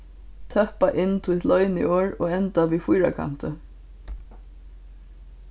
tøppa inn títt loyniorð og enda við fýrakanti